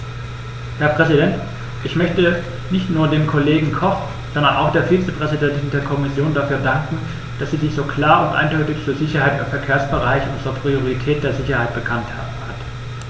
Herr Präsident, ich möchte nicht nur dem Kollegen Koch, sondern auch der Vizepräsidentin der Kommission dafür danken, dass sie sich so klar und eindeutig zur Sicherheit im Verkehrsbereich und zur Priorität der Sicherheit bekannt hat.